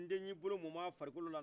nden y' i bolo mɔmɔ a farikolo la